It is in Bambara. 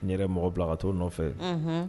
N yɛrɛ ye mɔgɔ bila ka t'o nɔfɛ, unhun